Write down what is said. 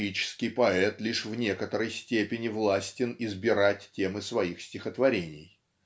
лирический поэт лишь в некоторой степени властен избирать темы своих стихотворений.